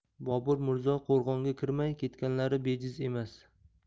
bobur mirzo qo'rg'onga kirmay ketganlari bejiz emas